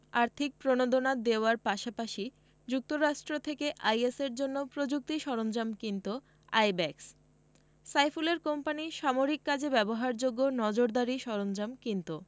আর্থিক প্রণোদনা দেওয়ার পাশাপাশি যুক্তরাষ্ট্র থেকে আইএসের জন্য প্রযুক্তি সরঞ্জাম কিনত আইব্যাকস সাইফুলের কোম্পানি সামরিক কাজে ব্যবহারযোগ্য নজরদারি সরঞ্জাম কিনত